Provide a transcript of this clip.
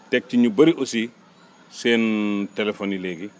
teg ci ñu bëri aussi seen téléphones yi léegi